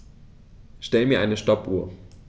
Stell mir eine Stoppuhr.